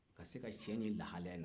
ka se ka cɛ ye nin lahalaya in na